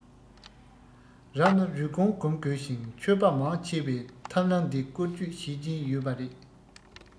རབ ན རུས གོང བསྒོམ དགོས ཤིང ཆོས པ མང ཆེ བས ཐབས ལམ འདི བཀོལ སྤྱོད བྱེད ཀྱིན ཡོད པ རེད